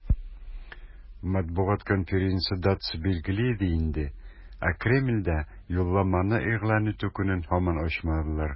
Матбугат конференциясе датасы билгеле иде инде, ә Кремльдә юлламаны игълан итү көнен һаман ачмадылар.